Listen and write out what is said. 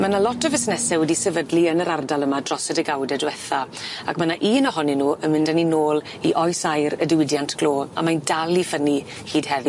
Ma' 'na lot o fusnese wedi sefydlu yn yr ardal yma dros y degawde dwetha ac ma' 'na un ohonyn nw yn mynd â ni nôl i Oes Aur y diwydiant glo a mae'n dal i ffynnu hyd heddi.